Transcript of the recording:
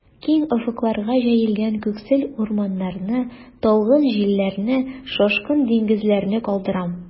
Киң офыкларга җәелгән күксел урманнарны, талгын җилләрне, шашкын диңгезләрне калдырам.